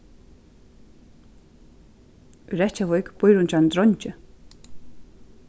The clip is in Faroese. í reykjavík býr hon hjá einum dreingi